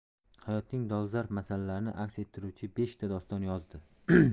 hayotning dolzarb masalalarini aks ettiruvchi beshta doston yozdi